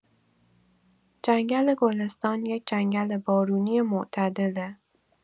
جنگل گلستان یه جنگل بارونی معتدله.